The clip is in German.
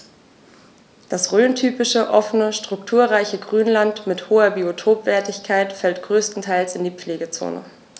Das rhöntypische offene, strukturreiche Grünland mit hoher Biotopwertigkeit fällt größtenteils in die Pflegezone.